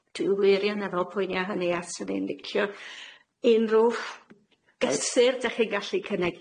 Dwi wirioneddol poeni a hynny a swni'n licio unrw gysur dych chi'n gallu cynnig.